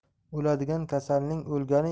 o'ladigan kasalning o'lgani